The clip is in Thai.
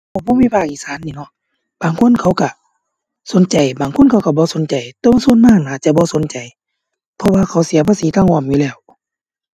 ก็บ่มีภาคอีสานนี้เนาะ บางคนเขาก็สนใจ บางคนเขาก็บ่สนใจ แต่ว่าส่วนมากน่าจะบ่สนใจ เพราะว่าเขาเสียภาษีทางอ้อมอยู่แล้ว